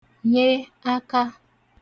nye aka